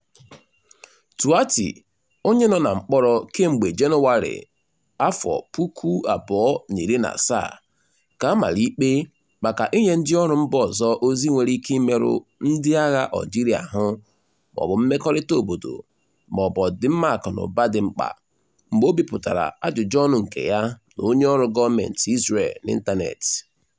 Touati, onye nọ na mkpọrọ kemgbe Jenụwarị 2017, ka a mara ikpe maka inye "ndịọrụ mba ọzọ ozi nwere ike imerụ ndịagha Algeria ahụ́ maọbụ mmekọrịta obodo maọbụ ọdịmma akụnaụba dị mkpa" mgbe o bipụtara ajụjụọnụ nke ya na onyeọrụ gọọmentị Israel n'ịntaneetị.